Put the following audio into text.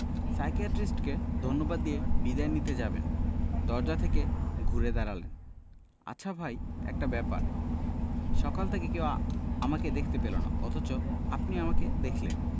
সাইকিয়াট্রিস্টকে ধন্যবাদ দিয়ে বিদায় নিতে যাবেন দরজা থেকে ঘুরে দাঁড়ালেন আচ্ছা ভাই একটা ব্যাপার সকাল থেকে কেউ আমাকে দেখতে পেল না অথচ আপনি আমাকে দেখলেন